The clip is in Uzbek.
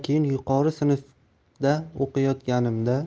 keyin yuqori sinfda o'qiyotganimda